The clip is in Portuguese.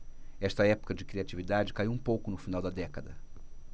esta época de criatividade caiu um pouco no final da década